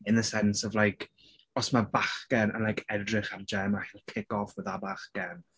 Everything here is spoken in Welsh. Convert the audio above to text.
In the sense of like os mae bachgen yn like edrych ar Gemma he'll kick off at that bachgen.